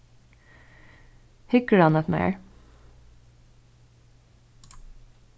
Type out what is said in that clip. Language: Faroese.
hyggur hann at mær